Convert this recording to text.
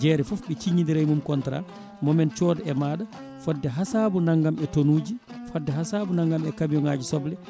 jeere foof ɓe signé dira e mum contrat momin cood e maɗa fodde ha saabu naggam e tonnes uji foode ha saabu naggam e camion ngaji soble